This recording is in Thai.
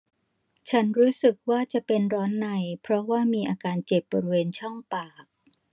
ฉันรู้สึกว่าจะเป็นร้อนในเพราะว่ามีอาการเจ็บบริเวณช่องปาก